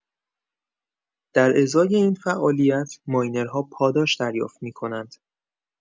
در ازای این فعالیت، ماینرها پاداش دریافت می‌کنند.